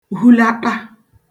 hulata